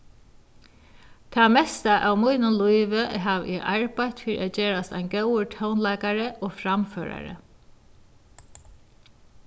tað mesta av mínum lívi havi eg arbeitt fyri at gerast ein góður tónleikari og framførari